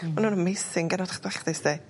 Ma' nw'n amazing gennod 'sdach chdi sti.